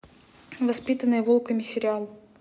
воспитанные волками сериал